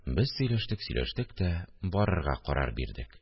Без сөйләштек-сөйләштек тә барырга карар бирдек